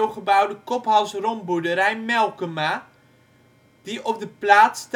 gebouwde kop-hals-rompboerderij Melkema, die op de plaats